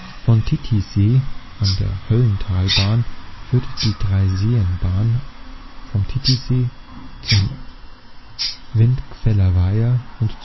Von Titisee an der Höllentalbahn führt die Dreiseenbahn vom Titisee zum Windgfällweiher und